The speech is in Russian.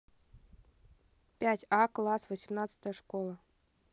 пять а класс восемнадцатая школа